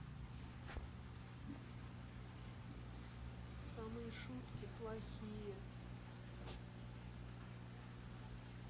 самые шутки плохие